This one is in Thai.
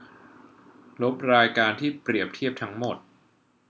ลบรายการเปรียบเทียบทั้งหมด